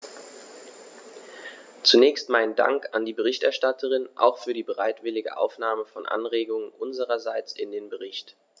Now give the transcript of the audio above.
Zunächst meinen Dank an die Berichterstatterin, auch für die bereitwillige Aufnahme von Anregungen unsererseits in den Bericht.